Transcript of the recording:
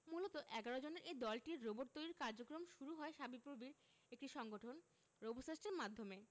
মূলত ১১ জনের এই দলটির রোবট তৈরির কার্যক্রম শুরু হয় শাবিপ্রবির একটি সংগঠন রোবোসাস্টের মাধ্যমে